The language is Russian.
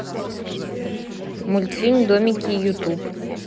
мультфильм домики ютуб